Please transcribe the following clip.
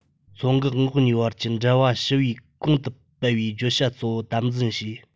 མཚོ འགག ངོགས གཉིས བར གྱི འབྲེལ བ ཞི བས གོང དུ སྤེལ བའི བརྗོད བྱ གཙོ བོ དམ འཛིན བྱས